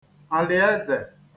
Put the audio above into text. àlị̀ezè